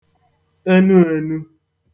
enuēnū